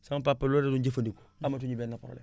sama papa loolu la doon jëfandikoo amatuñu benn problème